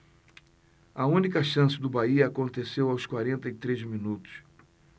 a única chance do bahia aconteceu aos quarenta e três minutos